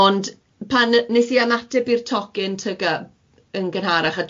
Ond pan nes i ymateb i'r tocyn ty gy yn gynharach a